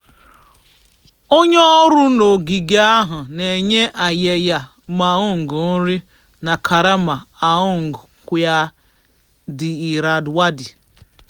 Onye ọrụ n'ogige ahụ na-enye Ayeyar Maung nri na karama. / Aung Kyaw Htet / The Irrawaddy